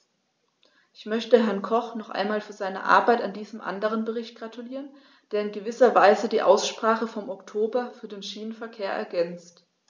Ich möchte Herrn Koch noch einmal für seine Arbeit an diesem anderen Bericht gratulieren, der in gewisser Weise die Aussprache vom Oktober über den Schienenverkehr ergänzt.